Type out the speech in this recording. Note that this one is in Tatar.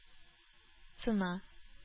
Цена